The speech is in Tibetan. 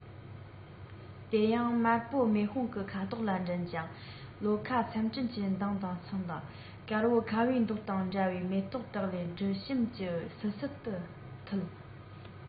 དེ ཡང དམར པོ མེ དཔུང གི ཁ དོག ལ འགྲན ཅིང གློ ཁ མཚམས སྤྲིན གྱི མདངས དང མཚུངས ལ དཀར པོ ཁ བའི མདོག དང འདྲ བའི མེ ཏོག དག ལས དྲི ཞིམ མངར སིལ སིལ དུ འཐུལ